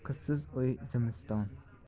qizsiz uy zimiston